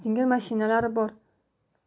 zinger mashinalari bor